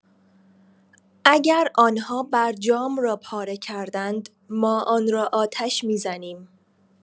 اگر آنها برجام را پاره کردند ما آن را آتش می‌زنیم.